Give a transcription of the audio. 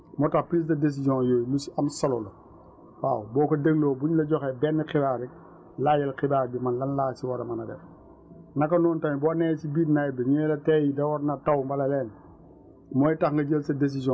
comme daaw gerte gi du ñor moo tax prise de décision yooyu lu si am solo la waaw boo ko dégloo buñ la joxee benn xibaar rekk laajal xibaar bi man lan laa si war a mën a def naka noonu tamit boo nee si biir nawet bi ñu ne la tay de waroon na taw wala lenneen